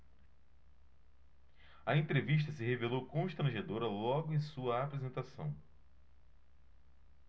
a entrevista se revelou constrangedora logo em sua apresentação